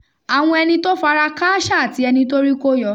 Àwọn Ẹni-tó-fara-kááṣá àti Ẹni-tórí-kó-yọ